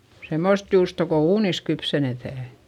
semmoista juustoa kun uunissa kypsennetään